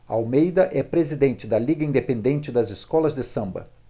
almeida é presidente da liga independente das escolas de samba